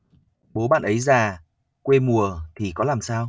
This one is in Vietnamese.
bố bạn ấy già quê mùa thì có làm sao